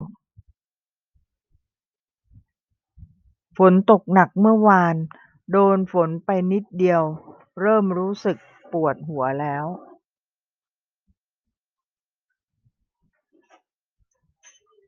ฝนตกหนักเมื่อวานโดนฝนไปนิดเดียวเริ่มรู้สึกปวดหัวแล้ว